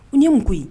U ye mun ye